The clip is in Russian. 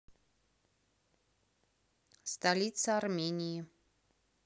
столица армении